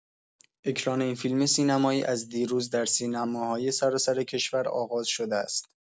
اکران این فیلم سینمایی از دیروز در سینماهای سراسر کشور آغاز شده است.